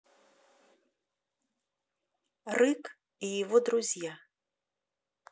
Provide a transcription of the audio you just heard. рык и его друзья